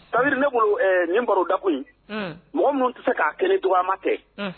Tabi ne nin baro da in mɔgɔ minnu tɛ se k' kelen to ma kɛ